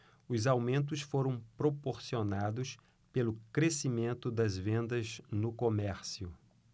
os aumentos foram proporcionados pelo crescimento das vendas no comércio